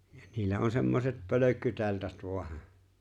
ja niillä on semmoiset pölkkyteltat vain -